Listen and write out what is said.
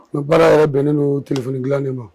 N baara yɛrɛ bɛnnen n' tile kunnafoni dilannen ma